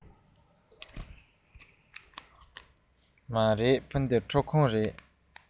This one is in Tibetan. མ རེད ཕ གི ཁྲུད ཁང རེད